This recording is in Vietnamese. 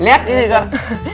léc cái gì cơ ạ